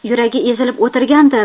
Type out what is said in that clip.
yuragi ezilib o'tirgandir